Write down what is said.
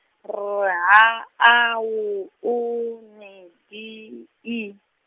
R H A W U N V I.